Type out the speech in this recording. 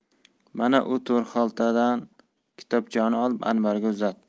mana u to'rxaltadan kitobchani olib anvarga uzatdi